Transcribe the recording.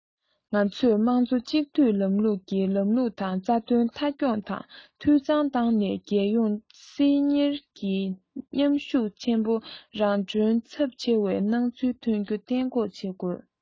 ང ཚོས དམངས གཙོ གཅིག སྡུད ལམ ལུགས ཀྱི ལམ ལུགས དང རྩ དོན མཐའ འཁྱོངས དང འཐུས ཚང དུ བཏང ནས རྒྱལ སྐྱོང སྲིད གཉེར གྱི མཉམ ཤུགས ཆེན པོ རང གྲོན ཚབས ཆེ བའི སྣང ཚུལ ཐོན རྒྱུ གཏན འགོག བྱེད དགོས